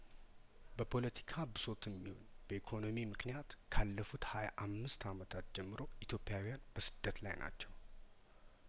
በፖለቲካ ብሶትም ይሁን በኢኮኖሚምክንያት ካለፉት ሀያአምስት አመታት ጀምሮ ኢትዮጵያውያን በስደት ላይ ናቸው